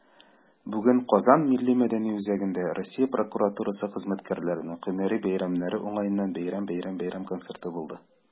Бүген "Казан" ММҮдә Россия прокуратурасы хезмәткәрләренең һөнәри бәйрәмнәре уңаеннан бәйрәм концерты булды.